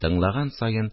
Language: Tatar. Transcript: Тыңлаган саен